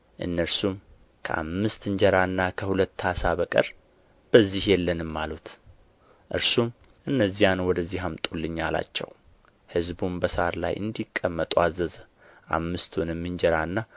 እነርሱም ከአምስት እንጀራና ከሁለት ዓሣ በቀር በዚህ የለንም አሉት እርሱም እነዚያን ወደዚህ አምጡልኝ አላቸው ሕዝቡም በሣር ላይ እንዲቀመጡ አዘዘ አምስቱንም እንጀራና